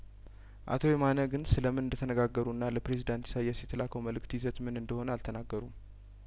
አቶ የማነ ግን ስለምን እንደተነጋገሩና ለፕሬዝዳንት ኢሳያስ የተላከው መልእክት ይዘት ምን እንደሆነ አልተናገሩም